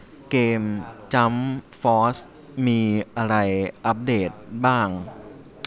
เกมจั้มฟอสมีอะไรอัปเดตบ้าง